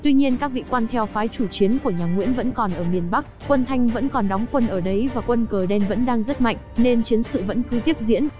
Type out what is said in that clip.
tuy nhiên các vị quan theo phái chủ chiến của nhà nguyễn vẫn còn ở miền bắc quân thanh vẫn còn đóng quân ở đấy và quân cờ đen vẫn đang rất mạnh nên chiến sự vẫn cứ tiếp diễn